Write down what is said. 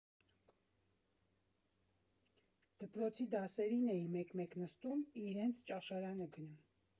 Դպրոցի դասերին էի մեկ֊մեկ նստում, իրենց ճաշարանը գնում։